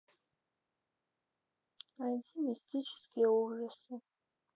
найди мистические ужасы